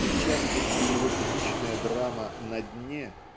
и в частности его типичная драма "На дне"